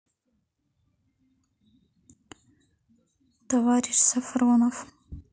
товарищ сафронов